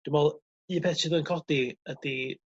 Dwi me'l un peth sydd yn codi ydi